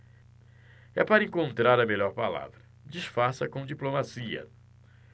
é para encontrar a melhor palavra disfarça com diplomacia